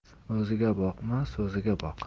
o'ziga boqma so'ziga boq